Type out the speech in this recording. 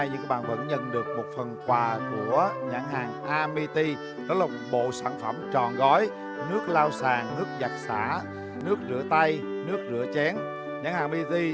nhưng bạn vẫn nhận được một phần quà của nhãn hàng a mi ti đó là bộ sản phẩm trọn gói nước lau sàn nước giặt xả nước rửa tay nước rửa chén nhãn hàng mi gi